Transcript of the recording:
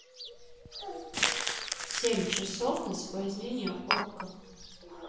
семь часов на соблазнение окко